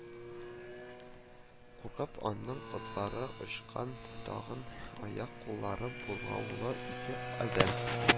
Куркып аның котлары очкан, тагын аяк-куллары богаулы ике адәм